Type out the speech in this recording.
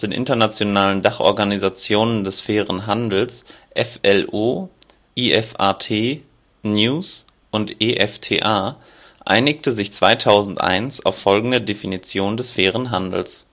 internationalen Dachorganisationen des fairen Handels FLO, IFAT, News! und EFTA – einigte sich 2001 auf folgende Definition des fairen Handels